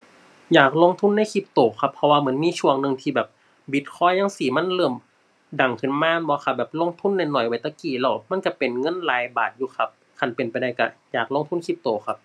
อยากลงทุนในคริปโตครับ เพราะว่าเหมือนมีช่วงหนึ่งที่แบบบิตคอยน์จั่งซี้ มันเริ่มดังขึ้นมาแม่นบ่ครับ แบบลงทุนน้อยน้อยไว้แต่กี้แล้ว มันก็เป็นเงินหลายบาทอยู่ครับ คันเป็นไปได้ก็อยากลงทุนคริปโตครับ